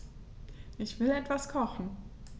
Ich will etwas kochen.